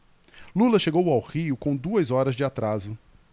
lula chegou ao rio com duas horas de atraso